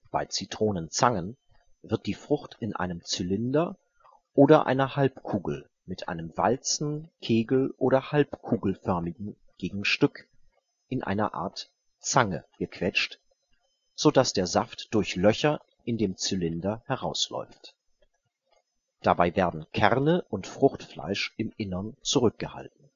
Bei Zitronenzangen wird die Frucht in einem Zylinder oder einer Halbkugel mit einem walzen -, kegel - oder - halbkugelförmigen Gegenstück in einer Art Zange gequetscht, so dass der Saft durch Löcher in dem Zylinder herausläuft. Dabei werden Kerne und Fruchtfleisch im Innern zurückgehalten